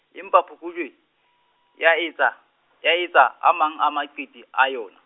empa phokojwe ya etsa, ya etsa a mang a maqiti a yona.